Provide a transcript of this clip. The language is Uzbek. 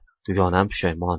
dugonam pushaymon